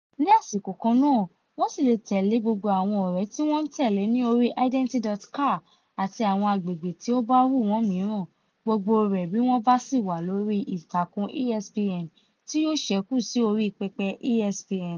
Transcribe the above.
Ní àsìkò kan náà, wọ́n ṣì lè tẹ́lẹ̀ gbogbo àwọn ọ̀rẹ́ tí wọ́n ń tẹ́lẹ̀ ní orí Identi.ca àti àwọn àgbègbè tí ó bá wù wọ́n mìíràn, gbogbo rẹ̀ bí wọ́n bá sì wà lórí ìtàkùn ESPN, tí yóò ṣẹ́kù sí orí pẹpẹ ESPN.